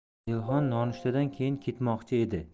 zelixon nonushtadan keyin ketmoqchi edi